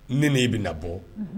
Ni ni e bɛ na bɔ